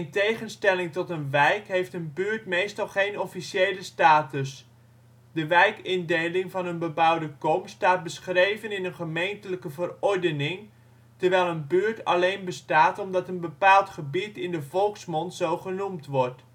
tegenstelling tot een wijk heeft een " buurt " meestal geen officiële status, de wijkindeling van een bebouwde kom staat beschreven in een gemeentelijke verordening terwijl een buurt alleen bestaat omdat een bepaald gebied in de volksmond zo genoemd wordt